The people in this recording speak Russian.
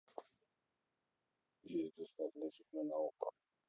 есть бесплатные фильмы на окко